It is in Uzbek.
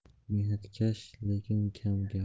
mehnatkash lekin kamgap